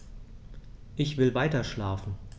Ich will weiterschlafen.